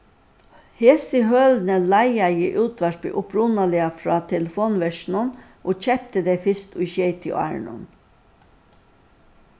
hesi hølini leigaði útvarpið upprunaliga frá telefonverkinum og keypti tey fyrst í sjeytiárunum